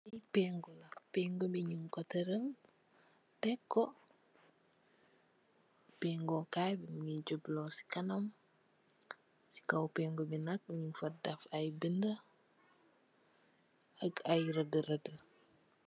Pengu bi nyung ku tedal tek ku pengoh kai bu munge jublu